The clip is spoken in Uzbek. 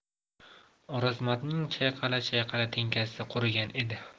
o'rozmatning chayqala chayqala tinkasi qurigan edi